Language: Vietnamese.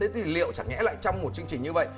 thế thì liệu chẳng nhẽ lại trong một chương trình như vậy